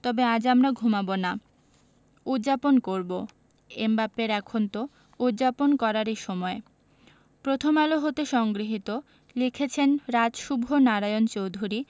তবে আজ আমরা ঘুমাব না উদ্যাপন করব এমবাপ্পের এখন তো উদ্যাপন করারই সময় প্রথম আলো হতে সংগৃহীত লিখেছেন রাজ শুভ নারায়ণ চৌধুরী